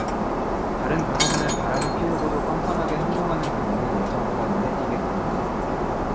다른 변호사는 바람을 피우고도 뻔뻔하게 행동하는 경우는 예전보다 눈에 띄게 늘었다